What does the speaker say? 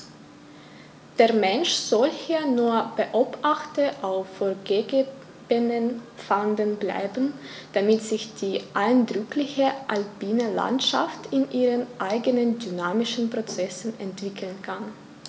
Der Mensch soll hier nur Beobachter auf vorgegebenen Pfaden bleiben, damit sich die eindrückliche alpine Landschaft in ihren eigenen dynamischen Prozessen entwickeln kann.